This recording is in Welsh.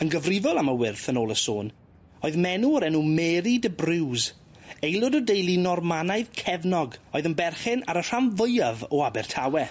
Yn gyfrifol am y wyrth yn ôl y sôn oedd menw o'r enw Mary de Briws aelod o deulu Normanaidd cefnog oedd yn berchen ar y rhan fwyaf o Abertawe.